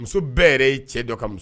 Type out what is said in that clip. Muso bɛɛ yɛrɛ ye cɛ dɔ ka mus